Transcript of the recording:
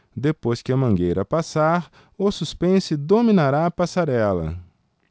depois que a mangueira passar o suspense dominará a passarela